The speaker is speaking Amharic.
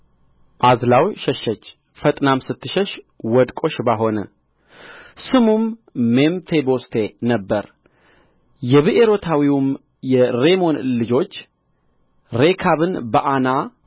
አዝላው ሸሸች ፈጥናም ስትሸሽ ወድቆ ሽባ ሆነ ስሙም ሜምፊቦስቴ ነበር የብኤሮታዊውም የሬሞን ልጆች ሬካብና በዓና